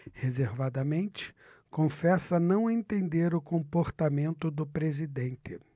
reservadamente confessa não entender o comportamento do presidente